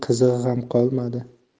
qizig'i ham qolmadi